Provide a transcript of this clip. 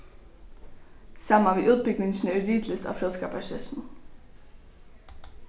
saman við útbúgvingini í ritlist á fróðskaparsetrinum